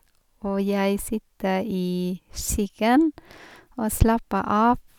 Og jeg sitte i skyggen og slappe av.